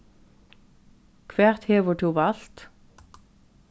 hvat hevur tú valt